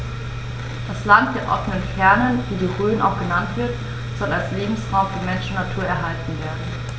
Das „Land der offenen Fernen“, wie die Rhön auch genannt wird, soll als Lebensraum für Mensch und Natur erhalten werden.